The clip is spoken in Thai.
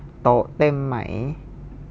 โต๊ะเต็มไหม